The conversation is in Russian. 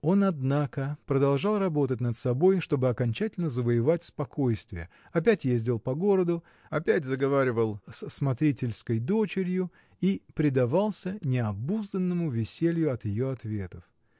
Он, однако, продолжал работать над собой, чтобы окончательно завоевать спокойствие, опять ездил по городу, опять заговаривал с смотрительской дочерью и предавался необузданному веселью от ее ответов.